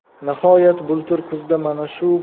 nihoyat bultur kuzda mana shu